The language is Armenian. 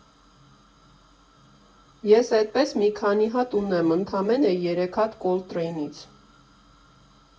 Ես էդպես մի քանի հատ ունեմ ընդամենը՝ երեք հատ Կոլտրեյնից։